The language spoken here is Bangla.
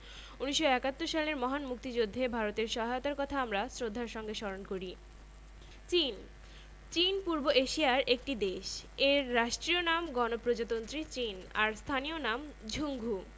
বহুজাতি ও সম্প্রদায়ের বাস এ দেশটিতে চীনের জনসংখ্যা শতকরা ৯৫ ভাগ হান চাইনিজ বংশোদূত এছারাও রয়েছে আরও ৫৬ টি জাতির বাসযার মধ্যে উল্লেখযোগ্য হলো জুয়াং